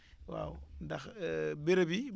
waaw ndax béréb yi